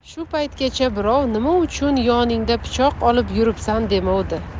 shu paytgacha birov nima uchun yoningda pichoq olib yuribsan demovdi